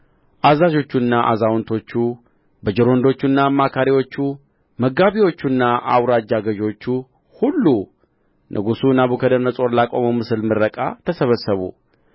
አዛዦቹና አዛውንቶቹ በጅሮንዶቹና አማካሪዎቹ መጋቢዎቹና አውራጃ ገዦቹ ሁሉ ንጉሡ ናቡከደነፆር ላቆመው ምስል ምረቃ ተሰበሰቡ